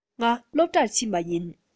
ང སློབ གྲྭར ཕྱིན པ ཡིན